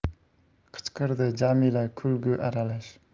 qichqirdi jamila kulgi aralash